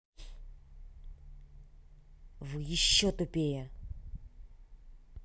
вы еще тупее